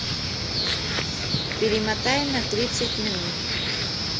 перемотай на тридцать минут